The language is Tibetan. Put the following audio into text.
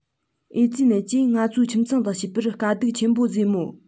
ཨེ ཙི ནད ཀྱིས ང ཚོའི ཁྱིམ ཚང དང བྱིས པར དཀའ སྡུག ཆེན པོ བཟོས མོད